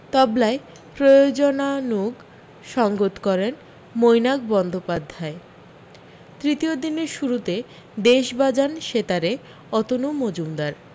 তবলায় প্রয়োজনানুগ সঙ্গত করেন মৈনাক বন্দ্যোপাধ্যায় তৃতীয় দিনের শুরুতে দেশ বাজান সেতারে অতনু মজুমদার